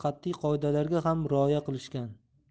qat'iy qoidalarga ham rioya qilishgan